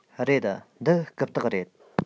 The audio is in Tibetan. རེད འདི རྐུབ སྟེགས རེད